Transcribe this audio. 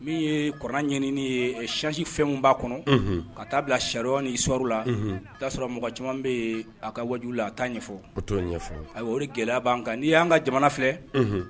Min ye kɔrɔ ɲɛnaniini ye sisi fɛnw b'a kɔnɔ ka'a bila saɔn ni s la o'a sɔrɔ mɔgɔ caman bɛ yen a ka wajula a t' ɲɛfɔ ɲɛfɔ o gɛlɛya b'a kan n'i y'an ka jamana filɛ